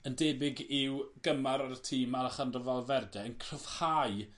yn debyg i'w gymar ar y tîm Alejandro Valverde yn cryfhau